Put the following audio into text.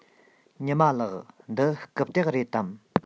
ཉི མ ལགས འདི རྐུབ སྟེགས རེད དམ